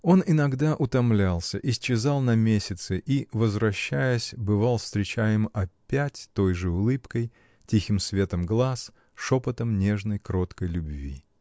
Он иногда утомлялся, исчезал на месяцы и, возвращаясь, бывал встречаем опять той же улыбкой, тихим светом глаз, шепотом нежной, кроткой любви.